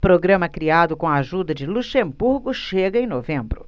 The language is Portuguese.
programa criado com a ajuda de luxemburgo chega em novembro